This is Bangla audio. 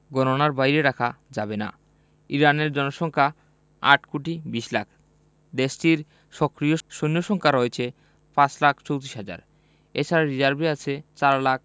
গণনার বাইরে রাখা যাবে না ইরানের জনসংখ্যা ৮ কোটি ২০ লাখ দেশটির সক্রিয় সৈন্য রয়েছে ৫ লাখ ৩৪ হাজার এ ছাড়া রিজার্ভে রয়েছে ৪ লাখ